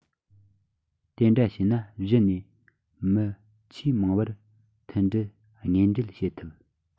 དེ འདྲ བྱས ན གཞི ནས མི ཆེས མང ཆེ བར མཐུན སྒྲིལ དངོས འབྲེལ བྱེད ཐུབ